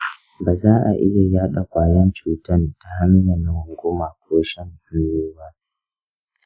baza'a iya yaɗa ƙwayan cutan ta hanyan runguma ko shan hannu ba.